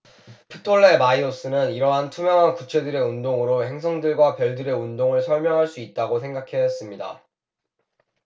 프톨레마이오스는 이러한 투명한 구체들의 운동으로 행성들과 별들의 운동을 설명할 수 있다고 생각하였습니다